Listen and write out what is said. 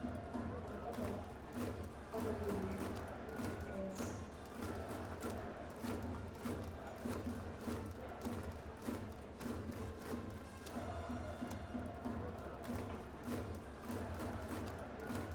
outor bu weeah bu nehka ce yournen.